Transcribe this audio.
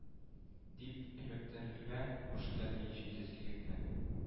— дип эләктерергә кушты, ди, җитез егетне.